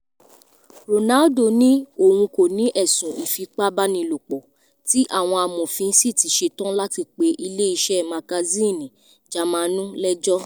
Ronaldo ní òun kò ní ẹ̀sùn ìfipabanilòpọ̀ tí àwọn amòfin sì ti ṣetán láti pe ilé iṣẹ́ Magazínnì Jámánù lẹ́jọ́